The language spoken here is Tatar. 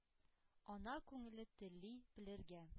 Ана күңеле тели белергә: